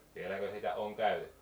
vieläkö sitä on käytetty